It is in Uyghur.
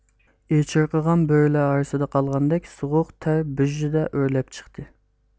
ئېچىرقىغان بۆرىلەر ئارىسىدا قالغاندەك سوغۇق تەر بۇژژىدە ئۆرلەپ چىقتى